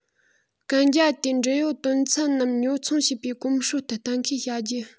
གན རྒྱ དེའི འབྲེལ ཡོད དོན ཚན ནམ ཉོ ཚོང བྱེད པའི གོམས སྲོལ ལྟར གཏན འཁེལ བྱ རྒྱུ